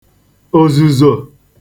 òzùzò